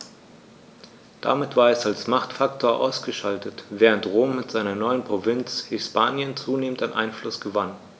Damit war es als Machtfaktor ausgeschaltet, während Rom mit seiner neuen Provinz Hispanien zunehmend an Einfluss gewann.